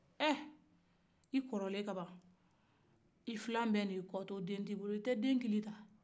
ɛ i kɔrɔlen ka ban i filanw bɛ ye kɔ to den tɛ i bolo i ka kan de ta